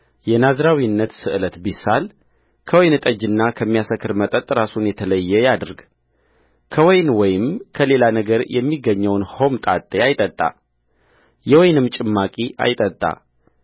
የናዝራዊነት ስእለት ቢሳልከወይን ጠጅና ከሚያሰክር መጠጥ ራሱን የተለየ ያድርግ ከወይን ወይም ከሌላ ነገር የሚገኘውን ሆምጣጤ አይጠጣ የወይንም ጭማቂ አይጠጣ